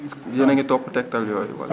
est que yéen a ngi topp tegtal yooyu wala